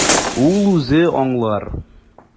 Ул үзе аңлар.